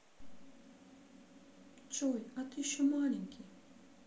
джой а ты еще маленький